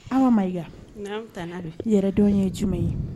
Aw ma i yɛrɛ dɔn ye jumɛn ye